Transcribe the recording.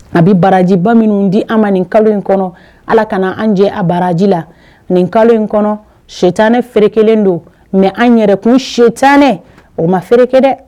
A bɛ baraji bamananw minnu di an ma kalo in kɔnɔ ala ka an jɛ a baraji la ni kalo in kɔnɔ sɛ tan ne feere kelen don mɛ an yɛrɛ kun sɛ tan ne o ma feerekɛ dɛ